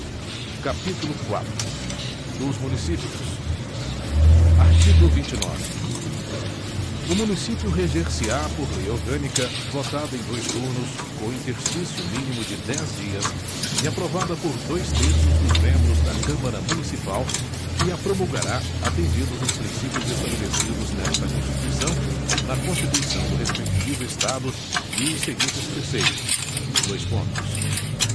capítulo quatro dos municípios artigo vinte e nove o município reger se á por lei orgânica votada em dois turnos com o interstício mínimo de dez dias e aprovada por dois terços dos membros da câmara municipal que a promulgará atendidos os princípios estabelecidos nesta constituição na constituição do respectivo estado e os seguintes preceitos dois pontos